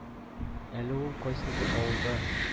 Әле ул кайсыдыр авылда